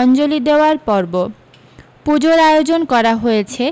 অঞ্জলি দেওয়ার পর্ব পূজোর আয়োজন করা হয়েছে